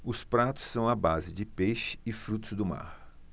os pratos são à base de peixe e frutos do mar